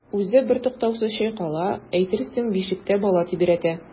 Үзе бертуктаусыз чайкала, әйтерсең бишектә бала тибрәтә.